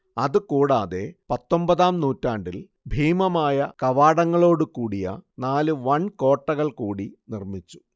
അത് കൂടാതെ പത്തൊമ്പതാം നൂറ്റാണ്ടിൽ ഭീമമായ കവാടങ്ങളോട് കൂടിയ നാല് വൻ കോട്ടകൾ കൂടി നിർമിച്ചു